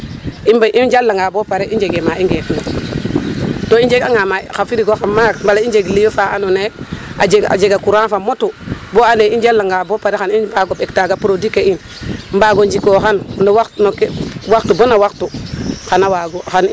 I bi' i njalanga bo paré i njegee ma i ngeekuna to njeganga xa frigo xa maak wala i njeg lieu fa andoona yee a jega courant fa motu bo andoona yee i njalanga bo pare xay i mbaag o ɓek teen produit ke in mbaag o njikooxan no waxtu no kene waxtu bo na waxtu xan a waagu.